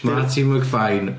Martí McFine.